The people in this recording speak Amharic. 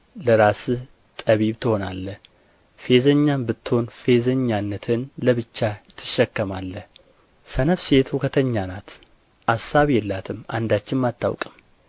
ለራስህ ጠቢብ ትሆናለህ ፌዘኛም ብትሆን ፌዘኛነትህን ለብቻህ ትሸከማለህ ሰነፍ ሴት ሁከተኛ ናት አሳብ የላትም አንዳችም አታውቅም